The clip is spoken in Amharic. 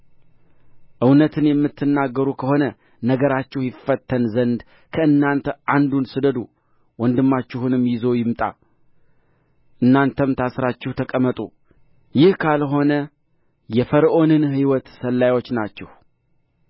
እውነትን የምትናገሩ ከሆነ ነገራችሁ ይፈተን ዘንድ ከእናንተ አንዱን ስደዱ ወንድማችሁንም ይዞ ይምጣ እናንተም ታሥራችሁ ተቀመጡ ይህ ካልሆነ የፈርዖንን ሕይወት ሰላዮች ናችሁ